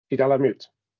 Ti dal ar mute.